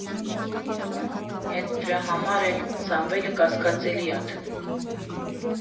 Հենց դրա համար էլ Սամվելը կասկածելի ա թվում։